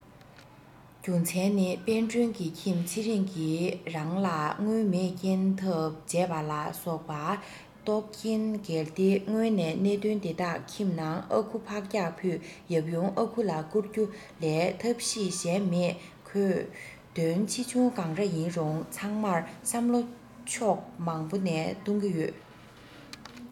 རྒྱུ མཚན ནི དཔལ སྒྲོན གྱི ཁྱིམ ཚེ རིང གི རང ལ དངུལ མེད རྐྱེན ཐབས བྱས པ ལ སོགས པ རྟོག རྐྱེན གལ ཏེ སྔོན ནས གནད དོན དེ དག ཁྱིམ ནང ཨ ཁུ ཕག སྐྱག ཕུད ཡབ ཡུམ ཨ ཁུ ལ བསྐུར རྒྱུ ལས ཐབས ཤེས གཞན མེད ཁོས དོན ཆེ ཆུང གང འདྲ ཡིན རུང ཚང མར བསམ བློ ཕྱོགས མང པོ ནས གཏོང གི ཡོད